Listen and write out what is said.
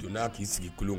Donna ki sigi kulun